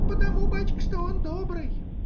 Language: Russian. — Потому, бачка, что он добрый.